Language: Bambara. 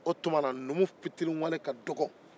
o tuma na numu fitiriwale ka dɔgɔ